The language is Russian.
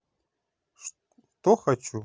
что хочу